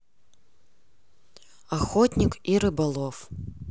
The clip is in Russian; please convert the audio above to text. охотник и рыболов